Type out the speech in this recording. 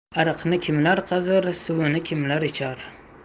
ariqni kimlar qazir suvini kimlar ichar